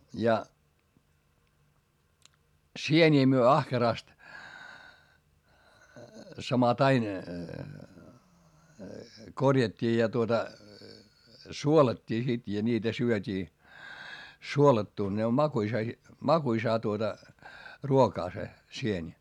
ja sieniä me ahkerasti samattain korjattiin ja tuota suolattiin sitten ja niitä syötiin suolattuna ne on makuisa - makuisaa tuota ruokaa se sieni